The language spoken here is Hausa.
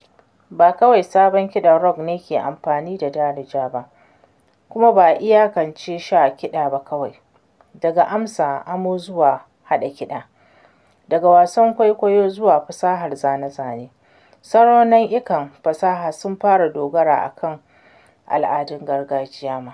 Ba cikakken mamba ne na jam'iyyar ba, amma domin samun wani abu na bayyane da za a isar da kuma kare shi''.